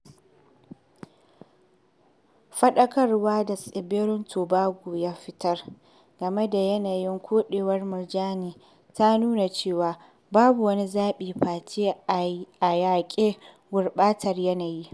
Faɗakarwar da tsibirin Tobago ya fitar game da yanayin koɗewar murjani ta nuna cewa 'babu wani zaɓi' face a yaƙi gurɓatar yanayi.